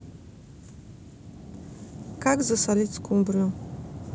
как засолить скумбрию